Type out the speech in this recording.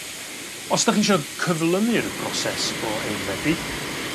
Os 'dach chi isio cyflymu'r broses o aeddfedu